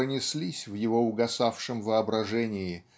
пронеслись в его угасавшем воображении